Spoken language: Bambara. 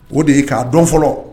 O de ye k'a dɔn fɔlɔ